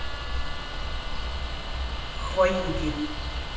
хваюги